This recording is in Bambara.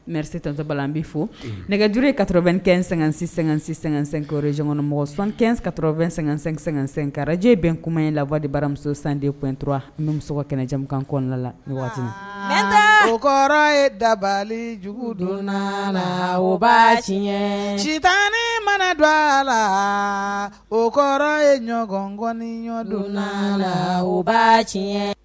Nre se tɔtɔba n bɛ fo nɛgɛjuru ye kato2 kɛ sɛgɛn-sɛ-sɛsɛ janɔn mɔgɔ sɔn kɛnkatoro2 sɛgɛn--sɛsɛkarajɛ bɛn kuma in la waatidi baramuso san de kuntura muso ka kɛnɛjamukan kɔnɔnala la nta o kɔrɔ ye dabalijugu don laba tiɲɛ jitaani mana don a la o kɔrɔ ye ɲɔgɔnɔni ɲɔgɔndon laba tiɲɛ